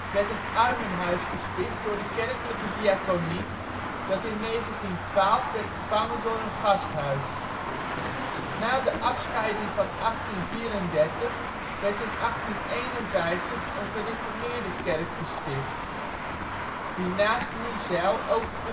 werd een armenhuis gesticht door de kerkelijke diaconie, dat in 1912 werd vervangen door een gasthuis. Na de afscheiding van 1834 werd in 1851 een gereformeerde kerk gesticht, die naast Niezijl ook